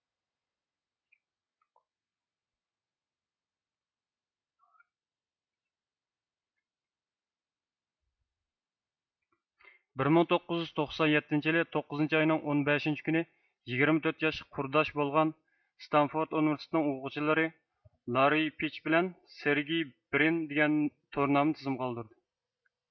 بىر مىڭ توققۇز يۈز توقسان يەتتىنچى يىلى توققىزىنچى ئاينىڭ ئون بەشىنچى كۈنى يىگىرمە تۆت ياشلىق قۇرداش بولغان ستانفورد ئۇنىۋېرسىتېتىنىڭ ئوقۇغۇچىلىرى لاررىي پېچ بىلەن سېرگېي برىن دېگەن تورنامىنى تىزىمغا ئالدۇردى